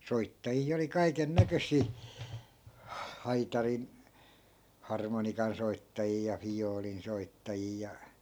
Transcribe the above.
soittajia oli kaiken näköisiä - harmonikansoittajia ja viulun soittajia ja